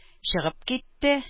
Чыгып китте